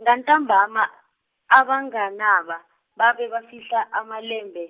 ngantambama, abanganaba, babe bafihla amalembe ,